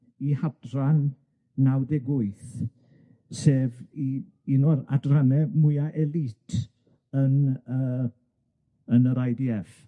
'i hadran naw deg wyth sef u- un o'r adranne mwya elite yn yy yn yr I Dee Eff.